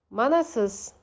mana siz